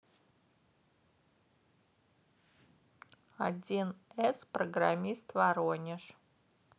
один эс программист воронеж